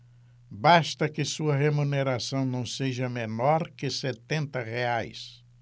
basta que sua remuneração não seja menor que setenta reais